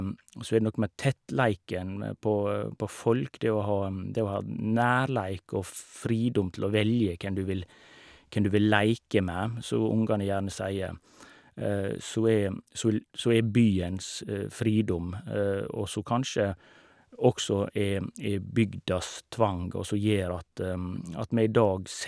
Og så er det noe med tettleiken med på på folk, det å ha det å ha nærleik og fridom til å velge hvem du vil hvem du vil leke med, som ungene gjerne sier, som er så l som er byens fridom, og som kanskje også er er bygdas tvang, og som gjør at at vi i dag se...